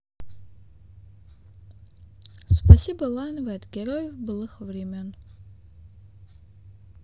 спасибо лановой от героев былых времен